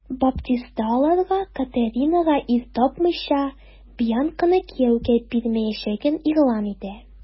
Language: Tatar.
Баптиста аларга, Катаринага ир тапмыйча, Бьянканы кияүгә бирмәячәген игълан итә.